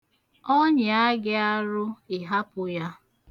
Ọ nyịa gị arụ, ị hapụ ya.